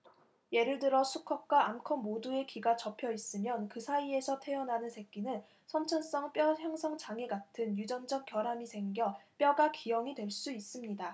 예를 들어 수컷과 암컷 모두의 귀가 접혀 있으면 그 사이에서 태어나는 새끼는 선천성 뼈 형성 장애 같은 유전적 결함이 생겨 뼈가 기형이 될 수 있습니다